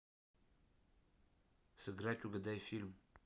сыграть угадай фильм